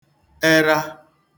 ẹra